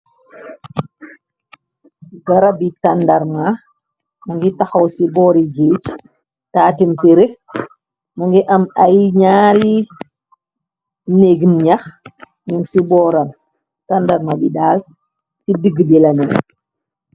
Garab bi tandarma mu ngi taxaw ci bóri gééj tatim piré, mu ngi am ay ñaari nèk ngi ñax ñung ci bóram. Tandarma bi daal ci digg bi lané.